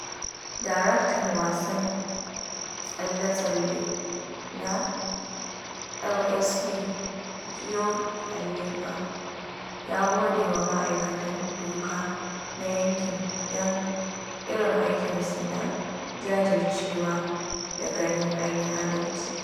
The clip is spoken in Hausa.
Daraktan wasan tsalle-tsalle na LSU Joe Alleva ya gode wa ma’aikatan doka na yankin don irin aikinsu na “jajircewa da ganin an yi adalci.”